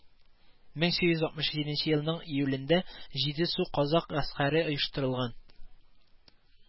Мең сигез йөз алтмыш җиденче елның июлендә җидесу казак гаскәре оештырылган